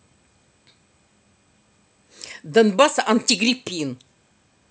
донбасс антигрипин